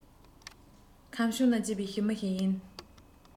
ཁམས ཕྱོགས ན སྐྱེས པའི ཞི མི ཞིག ཡིན